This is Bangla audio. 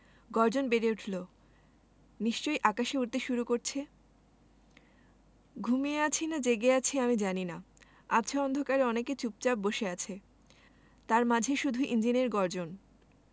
গর্জন বেড়ে উঠলো নিশ্চয়ই আকাশে উড়তে শুরু করছে ঘুমিয়ে আছি না জেগে আছি আমি জানি না আবছা অন্ধকারে অনেকে চুপচাপ বসে আছে তার মাঝে শুধু ইঞ্জিনের গর্জন